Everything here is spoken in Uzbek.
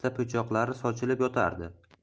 po'choqlari sochilib yotardi